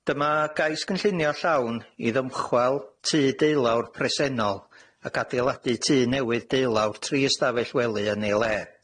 Dyma gais cynllunio llawn i ddymchwel tŷ deulawr presennol ac adeiladu tŷ newydd deulawr tri ystafell wely yn ei le.